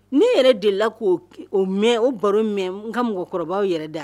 Ni yɛrɛ de la k' o mɛn o baro mɛn n ka mɔgɔkɔrɔbaw yɛrɛ da